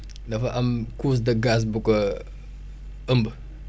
dafa am couche de gaz bu ko ëmb